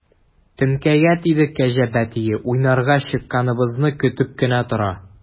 Теңкәгә тиде кәҗә бәтие, уйнарга чыкканыбызны көтеп кенә тора.